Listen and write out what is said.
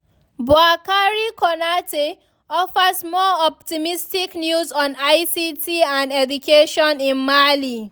Boukary Konaté offers more optimistic news on ICT and education in Mali.